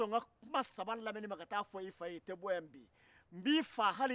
ni ye i bɛrɛbɛ i nimɔgɔmusokɔrɔba ma ale de bɛ i dege ninnu na